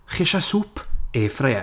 Chi isio sŵp? Airfryer.